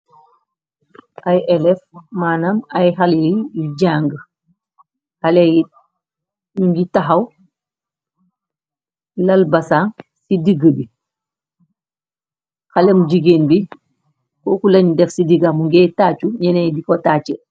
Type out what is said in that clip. Ay elef maanam ay xale yu jang xaley ñu ngi taxaw lal basaŋ ci digg bi xalemu jigéen bi ko ku lan dex ci digamu ngay tachu ñeney di ko tachu.